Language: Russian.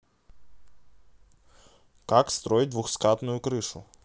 как строить двухскатную крышу